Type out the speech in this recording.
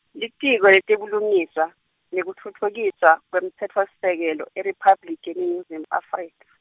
Litiko leTebulungiswa, nekuTfutfukiswa, kweMtsetfosisekelo, IRiphabliki yeNingizimu Afrika.